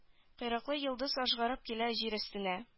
Койрыклы йолдыз ажгырып килә җир өстенә